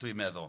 dwi'n meddwl.